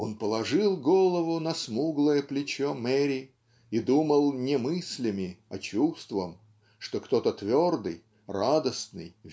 "Он положил голову на смуглое плечо Мэри и думал не мыслями а чувством что кто-то твердый радостный